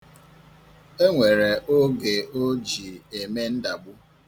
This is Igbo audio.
E nwere oge o ji eme ndagbu.